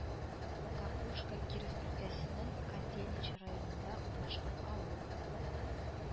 Кокушка Киров өлкәсенең Котельнич районында урнашкан авыл